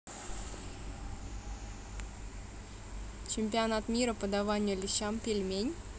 чемпионат мира по даванию лещам пельмень